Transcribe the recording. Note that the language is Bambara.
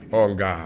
Hga